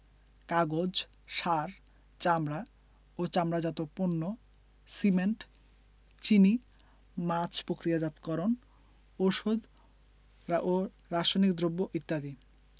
কাগজ সার চামড়া ও চামড়াজাত পণ্য সিমেন্ট চিনি মাছ প্রক্রিয়াজাতকরণ ঔষধ ও রাসায়নিক দ্রব্য ইত্যাদি